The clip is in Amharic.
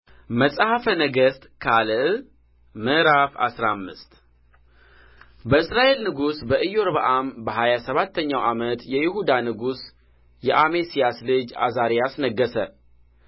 መጽሐፈ ነገሥት ካልዕ ምዕራፍ አስራ አምስት በእስራኤል ንጉሥ በኢዮርብዓም በሀያ ሰባተኛው ዓመት የይሁዳ ንጉሥ የአሜስያስ ልጅ ዓዛርያስ ነገሠ